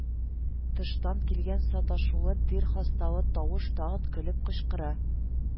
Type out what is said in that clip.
Тыштан килгән саташулы, тир хасталы тавыш тагын көлеп кычкыра: